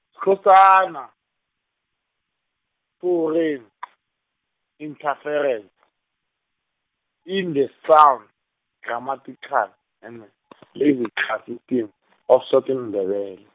Skhosana, Foreign , Interference, in the Sound, Grammatical, and Lexical System, of Southern Ndebele.